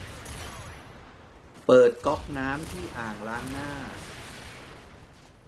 เปิดก๊อกน้ำที่อ่างล้างหน้า